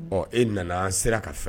Ɔ e nana, an sera k'a fɔ.